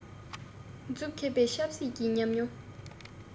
ཛ བསགས པའི ཆབ སྲིད ཀྱི ཉམས མྱོང